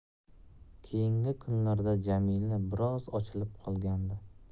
keyingi kunlarda jamila biroz ochilib qolgandi